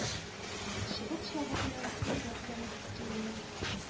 Чыбык-чабыкның дөрләп янып китүенә